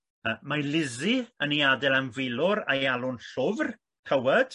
yy mae Lizzie yn ei adael am filwr a'i alw'n llwfr coward.